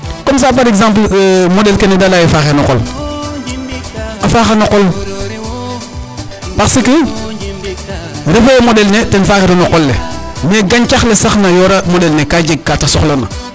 Comme ca par exemple moɗel kene da layaa yee faaxee no qol a faaxa no qol parce que refee yee moɗel ne ten faaxeeru no qol le mais gañcax le sax na yooraa moɗel ne ka jeg ka ta soxlana